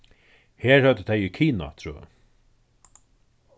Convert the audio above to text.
her høvdu tey í kina trøð